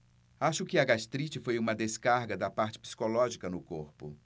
acho que a gastrite foi uma descarga da parte psicológica no corpo